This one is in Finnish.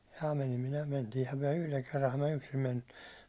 ja menin minä mentiinhän me yhden kerran minä yksin menin mutta